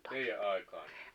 teidän aikaanne